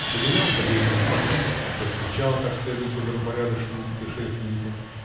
погулял по берегу Майна, поскучал, как следует добропорядочному путешественнику